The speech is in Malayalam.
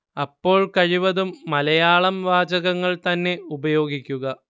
അപ്പോൾ കഴിവതും മലയാളം വാചകങ്ങൾ തന്നെ ഉപയോഗിക്കുക